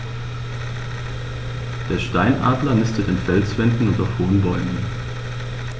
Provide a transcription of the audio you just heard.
Der Steinadler nistet in Felswänden und auf hohen Bäumen.